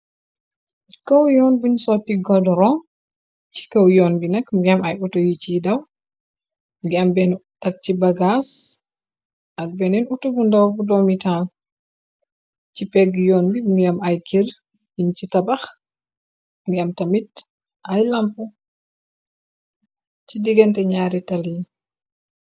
Ay kow yoon buñ sotti gordoron ci këw yoon bi nak ngi am. Ay auto yi ci daw ngi am bennu ak ci bagaas. Ak benneen auto bu ndoobu domitaal ci pegg yoon bi. Ngi am ay kir yiñ ci tabax ngi am tamit ay lamp ci digante ñaari tal yi.